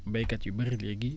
baykat yu bari léegi